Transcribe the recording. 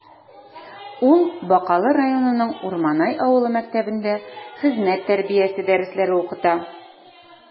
Ул Бакалы районының Урманай авылы мәктәбендә хезмәт тәрбиясе дәресләре укыта.